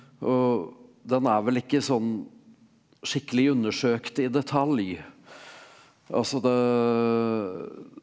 og den er vel ikke sånn skikkelig undersøkt i detalj altså det .